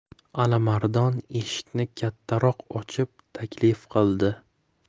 alimardon eshikni kattaroq ochib taklif qildi